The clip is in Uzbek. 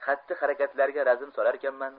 ulaming xatti harakatlariga razm solarkanman